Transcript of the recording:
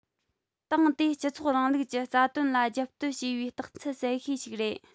ཏང དེས སྤྱི ཚོགས རིང ལུགས ཀྱི རྩ དོན ལ རྒྱབ གཏོད བྱས པའི རྟགས མཚན གསལ ཤོས ཤིག རེད